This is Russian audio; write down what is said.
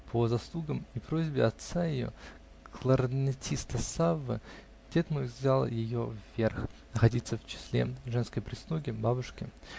По заслугам и просьбе отца ее, кларнетиста Саввы, дед мой взял ее вверх -- находиться в числе женской прислуги бабушки.